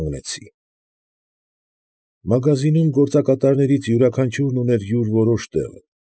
Կանգնեցի։ Մագազինում գործակատարներից յուրաքանչյուրն ուներ յուր որոշ տեղը։